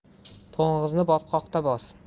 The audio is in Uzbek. to'ng'izni botqoqda bos